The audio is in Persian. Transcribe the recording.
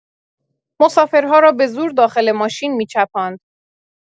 مسافرها را به‌زور داخل ماشین می‌چپاند